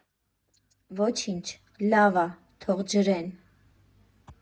Ոչինչ, լավ ա, թող ջրեն։